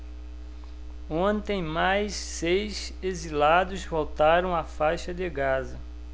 ontem mais seis exilados voltaram à faixa de gaza